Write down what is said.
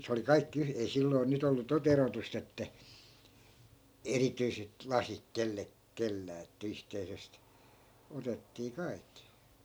- se oli kaikki - ei silloin nyt ollut tuota erotusta että erityiset lasit - kenelläkään että yhteisestä otettiin kaikki